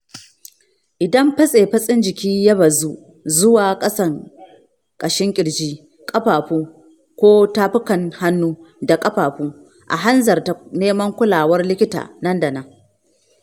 idan fatsifatsin jiki ya bazu zuwa ƙasandƙashin ƙirji, ƙafafu, ko tafukan hannu da ƙafafu, a hanzarta neman kulawar likita nan da nan